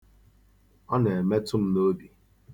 Ọ na-emetụ m n'obi.